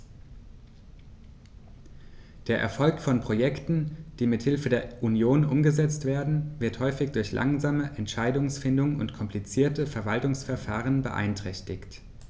Der Erfolg von Projekten, die mit Hilfe der Union umgesetzt werden, wird häufig durch langsame Entscheidungsfindung und komplizierte Verwaltungsverfahren beeinträchtigt.